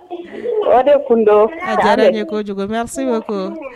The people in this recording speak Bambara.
O de kun a diyara ye kojugu mɛ se ko